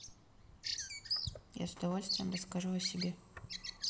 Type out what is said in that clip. я с удовольствием расскажу о себе